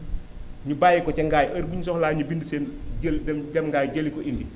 ñu bàyyi ko ca Ngaye heure bu ñu soxlaa ñu bind seen jël dem dem Ngaye jëli ko indi